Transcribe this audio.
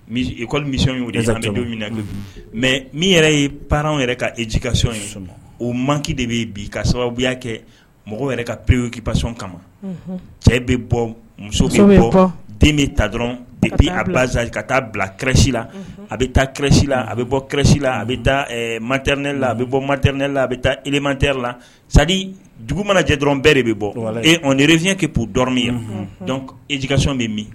I misɔn don min na mɛ min yɛrɛ ye paraw yɛrɛ ka e jikasɔn o manki de bɛ bi ka sababuya kɛ mɔgɔ yɛrɛ ka pereyki pasɔn kama cɛ bɛ bɔ muso bɔ den de ta dɔrɔn de bi a baz ka taa bila kɛrɛsi la a bɛ taa kɛrɛ la a bɛ bɔ kɛrɛsi la a bɛ taa matr nela a bɛ bɔ matr nela a bɛ taa ematere la sa dugu manajɛ dɔrɔn bɛɛ de bɛ bɔ e nirezya kɛ k'o dɔrɔn min ye e jikasɔnon bɛ min